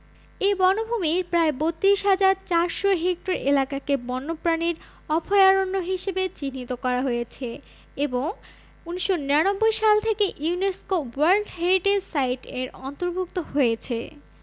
এ বনভূমির প্রায় ৩২হাজার ৪০০ হেক্টর এলাকাকে বন্যপ্রাণীর অভয়ারণ্য হিসেবে চিহ্নিত করা হয়েছে এবং ১৯৯৯ সাল থেকে ইউনেস্কো ওয়ার্ল্ড হেরিটেজ সাইট এর অন্তর্ভুক্ত হয়েছে